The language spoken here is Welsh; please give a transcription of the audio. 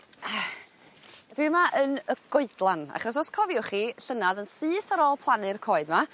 Dwi yma yn y goedlan achos os cofiwch chi llynadd yn syth ar ôl plannu'r coed 'ma